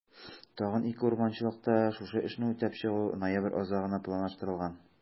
Тагын 2 урманчылыкта шушы эшне үтәп чыгу ноябрь азагына планлаштырылган.